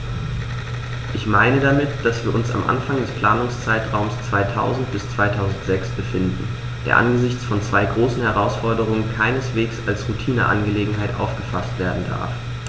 Ich meine damit, dass wir uns am Anfang des Planungszeitraums 2000-2006 befinden, der angesichts von zwei großen Herausforderungen keineswegs als Routineangelegenheit aufgefaßt werden darf.